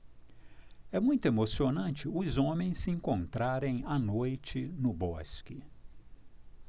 é muito emocionante os homens se encontrarem à noite no bosque